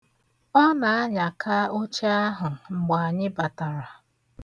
Ọ na-anyaka oche ahụ mgbe anyị batara.